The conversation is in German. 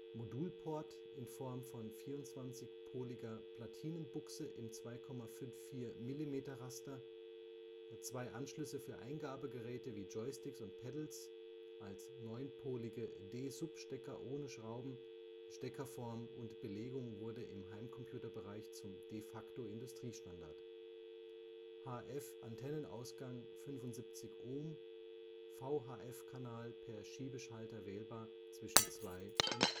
Modulport (24-polige Platinenbuchse im 2,54-mm-Raster), zwei Anschlüsse für Eingabegeräte wie Joysticks und Paddles (9-polige D-Sub-Stecker ohne Schrauben; Steckerform und - belegung wurde im Heimcomputerbereich zum De-facto-Industriestandard), HF-Antennenausgang 75 Ohm, VHF-Kanal per Schiebeschalter wählbar zwischen 2 und